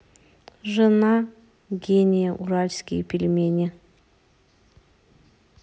жена гения уральские пельмени